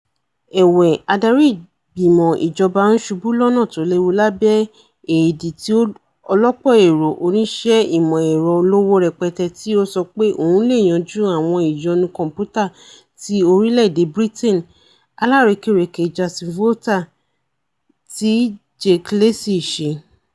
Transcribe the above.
Ẹ̀wẹ̀, adarí ìgbìmọ̀ ìjọba ǹsubú lọ́nà tóléwu lábẹ̵́ èèdì ti ọlọ̀pọ̀-èrò oníṣẹ́ ìmọ̀-ẹ̀rọ olówó rẹpẹtẹ tí ó sọ pé òun leè yanjú awọn ìyọnu kọ̀m̀pútà ti orílẹ̀-èdè Britain: aláàrékérekè Jason Volta, tí Jake Lacy ṣe.